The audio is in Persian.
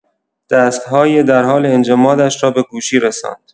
دست‌های درحال انجمادش را به گوشی رساند.